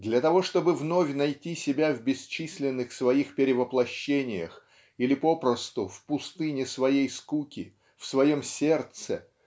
Для того чтобы вновь найти себя в бесчисленных своих перевоплощениях или попросту в пустыне своей скуки в своем сердце